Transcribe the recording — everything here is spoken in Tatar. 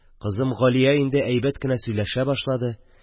Кызым Галия инде әйбәт кенә сөйләшә башлады.